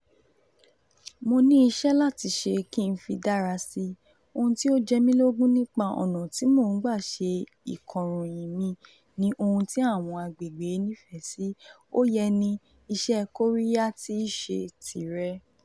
Mo ní iṣẹ́ láti ṣe kí n fi dára si, ohun tí ó jemí lógún nípa ọ̀nà tí mò ń gbà ṣe ìkọ̀ròyìn mi ni ohun tí àwọn agbègbè nífẹ̀ẹ́ sí, ó yẹ ní ìṣe-kóríyá tíí ṣe tìrẹ.